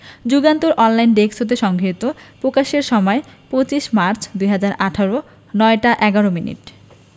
Jugantor online desk হতে সংগৃহীত প্রকাশের সময় ২৫ মার্চ ২০১৮ ০৯ টা ১১ মিনিট